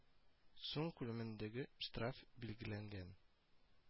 Сум күләмендәге штраф билгеләнгән